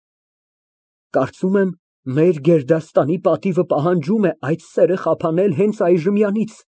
Կարծում եմ, մեր գերդաստանի պատիվը պահանջում է այդ սերը խափանել հենց այժմյանից։